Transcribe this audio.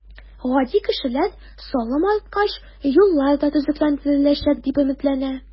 Гади кешеләр салым арткач, юллар да төзекләндереләчәк, дип өметләнә.